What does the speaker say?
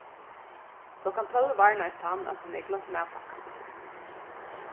klokkan tólv varnaðist hann at hann hevði gloymt matpakkan